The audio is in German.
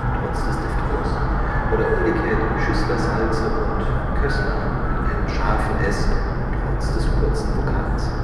trotz des Diphthongs) oder umgekehrt Schüßler-Salze und Kößlarn (trotz des kurzen Vokals